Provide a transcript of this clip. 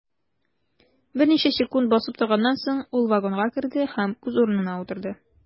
Берничә секунд басып торганнан соң, ул вагонга керде һәм үз урынына утырды.